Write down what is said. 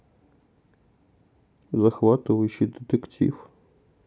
захватывающий детектив